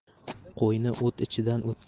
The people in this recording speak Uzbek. qo'yni o't ichidan o'tkazma